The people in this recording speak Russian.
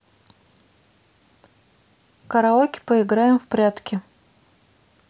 караоке поиграем в прятки